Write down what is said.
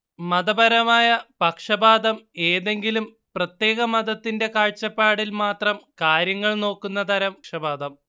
മതപരമായ പക്ഷപാതം ഏതെങ്കിലും പ്രത്യേക മതത്തിന്റെ കാഴ്ചപ്പാടില്‍ മാത്രം കാര്യങ്ങള് നോക്കുന്ന തരം പക്ഷപാതം